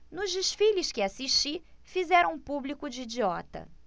nos desfiles que assisti fizeram o público de idiota